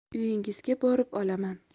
uyingizga borib olaman